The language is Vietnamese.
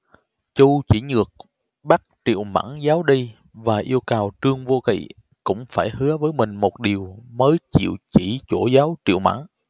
chu chỉ nhược bắt triệu mẫn giấu đi và yêu cầu trương vô kỵ cũng phải hứa với mình một điều mới chịu chỉ chỗ giấu triệu mẫn